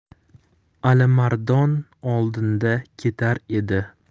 alimardon oldinda ketar edi